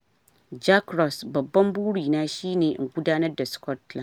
Jack Ross: 'Babban burin na shi ne in gudanar da Scotland'